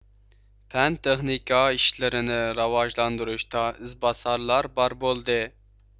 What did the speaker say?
پەن تېخنىكا ئىشلىرىنى راۋاجلاندۇرۇشتا ئىز باسارلار بار بولدى